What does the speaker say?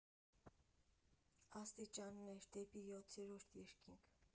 Աստիճաններ դեպի յոթերորդ երկինք։